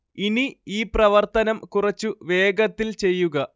ഇനി ഈ പ്രവർത്തനം കുറച്ചു വേഗത്തിൽ ചെയ്യുക